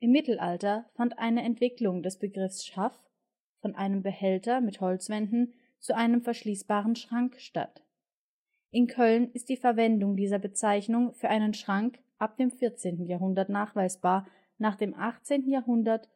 Mittelalter fand eine Entwicklung des Begriffs „ Schaff “von einem Behälter mit Holzwänden zu einem verschließbaren Schrank statt. In Köln ist die Verwendung dieser Bezeichnung für einen Schrank ab dem 14. Jahrhundert nachweisbar; nach dem 18. Jahrhundert